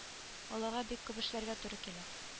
Аларга бик күп эшләргә туры килә